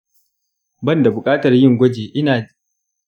ban da buƙatar yin gwaji, ina iya jin cewa suga na yayi ƙasa.